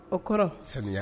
O kɔrɔ saniya